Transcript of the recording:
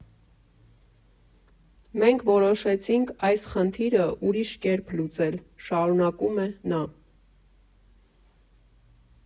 «Մենք որոշեցինք այս խնդիրը ուրիշ կերպ լուծել, ֊ շարունակում է նա։